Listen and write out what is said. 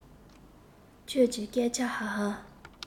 ཁྱོད ཀྱི སྐད ཆ ཧ ཧ